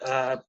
a